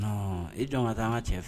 Non i jɔ n ka taa n ka cɛ f